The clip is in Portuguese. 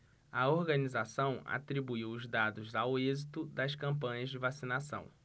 a organização atribuiu os dados ao êxito das campanhas de vacinação